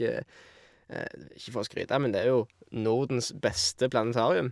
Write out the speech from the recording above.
Ikke for å skryte, men det er jo Nordens beste planetarium.